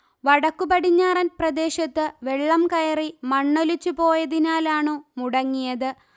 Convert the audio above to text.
വടക്കു പടിഞ്ഞാറൻപ്രദേശത്ത് വെള്ളം കയറി മണ്ണൊലിച്ചു പോയതിനാലാണു മുടങ്ങിയത്